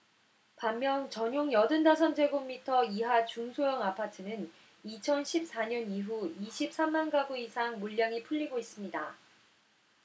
반면 전용 여든 다섯 제곱미터 이하 중소형 아파트는 이천 십 사 년 이후 이십 삼 만 가구 이상 물량이 풀리고 있습니다